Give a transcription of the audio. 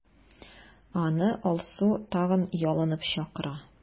Аны Алсу тагын ялынып чакыра.